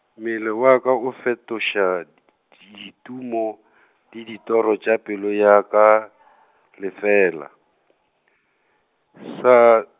mmele wa ka o fetoša d-, ditumo , ditoro tša pelo ya ka, lefela , sa.